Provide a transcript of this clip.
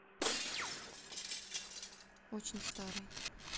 очень старый